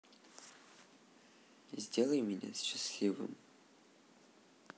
сделай меня счастливым